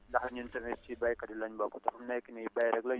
ndax ñun tamit ci béykat yi la ñu bokk te fi mu nekk nii béy rek la ñu